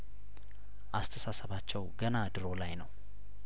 አስተሳሰባቸው ገና ድሮ ላይ ነው